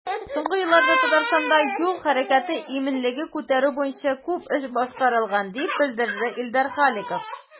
Соңгы елларда Татарстанда юл хәрәкәте иминлеген күтәрү буенча күп эш башкарылган, дип белдерде Илдар Халиков.